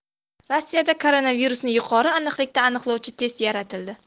rossiyada koronavirusni yuqori aniqlikda aniqlovchi test yaratildi